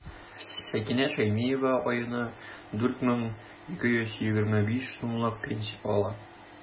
Сәкинә Шәймиева аена 4 мең 225 сумлык пенсия ала.